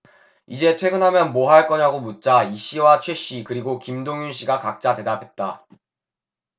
이제 퇴근하면 뭐 할 거냐고 묻자 이씨와 최씨 그리고 김동윤씨가 각자 대답했다